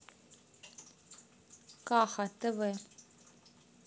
каха тв